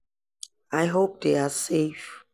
I hope they are safe."